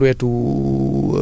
ci biir compostière bi